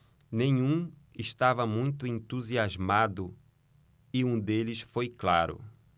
nenhum estava muito entusiasmado e um deles foi claro